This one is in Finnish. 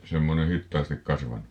semmoinen hitaasti kasvanut